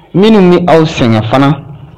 Minnu bɛ aw sengɛ fana.